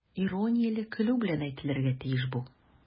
Иронияле көлү белән әйтелергә тиеш бу.